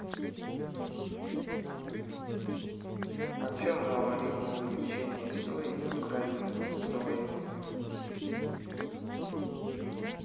о чем говорит увеличение сои в крови сое